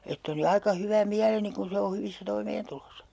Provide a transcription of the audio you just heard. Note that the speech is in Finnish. että oli aika hyvä mieleni kun se on hyvissä toimeentuloissa